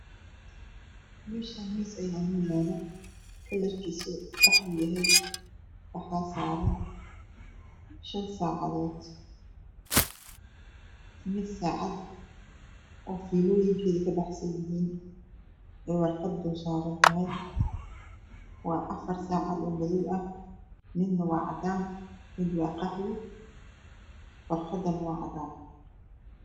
Meshan mis ayaa noo uala midabkisu qaxwi yahay waxaa saran shan sacadood afar ka mida waa madoow midna waa cadan midna waa qaxwi warqaduna waa cadan